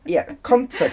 Ie context.